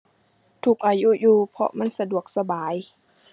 ทุกอายุอยู่ เพราะมันสะดวกสบาย